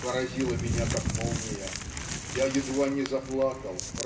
поразило меня как молния. Я едва не заплакал